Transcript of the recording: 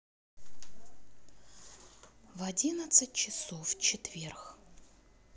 в одиннадцать часов четверг